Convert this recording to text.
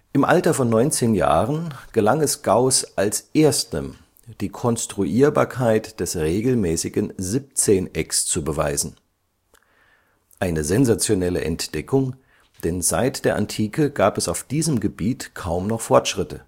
Im Alter von neunzehn Jahren gelang es Gauß als Erstem, die Konstruierbarkeit des regelmäßigen Siebzehnecks zu beweisen – eine sensationelle Entdeckung, denn seit der Antike gab es auf diesem Gebiet kaum noch Fortschritte